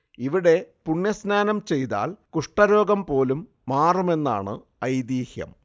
ഇവിടെ പുണ്യസ്നാനം ചെയ്താൽ കുഷ്ഠരോഗം പോലും മാറുമെന്നാണ് ഐതീഹ്യം